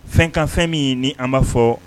Fɛnkan fɛn min ni an b'a fɔ